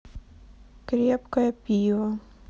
крепкое пиво